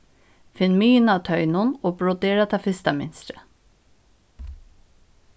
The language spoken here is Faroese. finn miðjuna á toynum og brodera tað fyrsta mynstrið